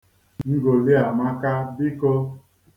Ngoli amaka biko.